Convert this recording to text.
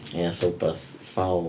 Ia, 'sa rywbath fowl.